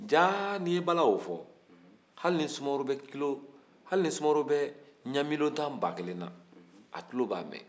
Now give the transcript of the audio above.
jaa ni ye bala o fɔ hali ni sumuaworo bɛ kilo hali ni sumuaworo b ɛ ɲɛ milion tan bakelen na a tulo b'a mɛ